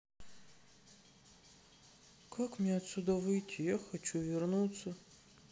как мне отсюда выйти я хочу вернуться